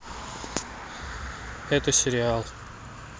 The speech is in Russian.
это сериал